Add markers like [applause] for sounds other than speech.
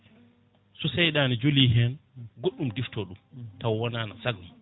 so seyɗade jooli hen goɗɗum diftoɗum [smacks lips] taw wonano saago mum